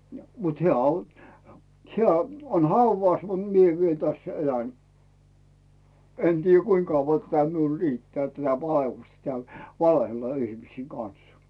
ja mutta hän on hän on haudassa mutta minä vielä tässä elän en tiedä kuinka kauan tätä minulla riittää tätä vaellusta täällä valehdella ihmisten kanssa